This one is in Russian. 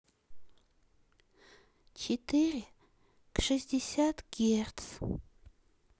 четыре к шестьдесят герц